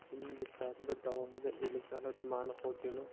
shuningdek tadbir davomida ellikqal'a tumani hokimi